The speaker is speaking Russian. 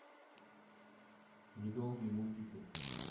недолгие мультики